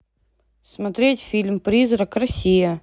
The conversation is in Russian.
смотреть фильм призрак россия